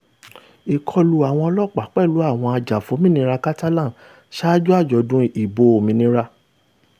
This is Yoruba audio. Ìkọlù àwọn ọlọ́ọ̀pá pẹ̀lú àwọn ajàfómìnira Catalan sáájú àjọ̀dun ìbò òmìnira